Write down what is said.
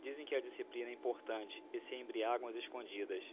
dizem que a disciplina é importante e se embriagam às escondidas